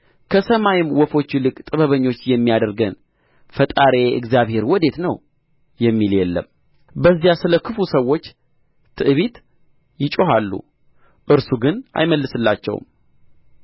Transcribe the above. ከሰማይም ወፎች ይልቅ ጥበበኞች የሚያደርገን ፈጣሪዬ እግዚአብሔር ወዴት ነው የሚል የለም በዚያ ስለ ክፉ ሰዎች ትዕቢት ይጮኻሉ እርሱ ግን አይመልስላቸውም